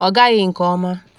Ọ Gaghị Nke Ọma